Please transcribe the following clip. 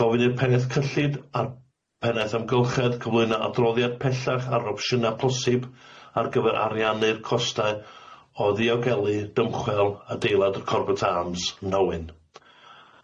Gofyn i'r peneth cyllid a'r pennaeth amgylchedd cyflwyno adroddiad pellach ar opsiyna posib ar gyfer ariannu'r costau o ddiogelu dymchwel adeilad y Corbertt Arms yn Nhowyn.